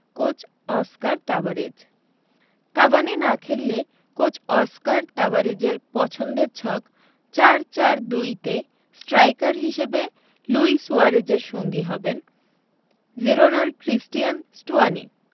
coach Oscar Tabarez Cavani না খেললে coach Oscar তাবারেজের পছন্দের ছক ৪ ৪ ২ তে স্ট্রাইকার হিসেবে লুই সুয়ারেজের সঙ্গী হবেন জিরোনার ক্রিস্টিয়ান স্টুয়ানি